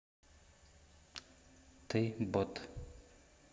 ты бот